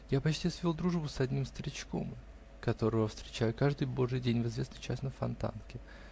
Я почти свел дружбу с одним старичком, которого встречаю каждый божий день, в известный час, на Фонтанке.